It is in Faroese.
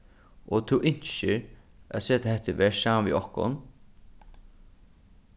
og tú ynskir at seta hetta í verk saman við okkum